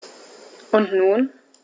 Und nun?